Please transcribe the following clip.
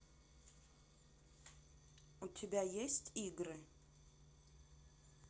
у тебя есть игры